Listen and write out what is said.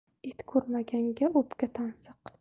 et ko'rmaganga o'pka tansiq